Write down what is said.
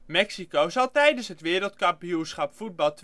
Mexico zal tijdens het Wereldkampioenschap voetbal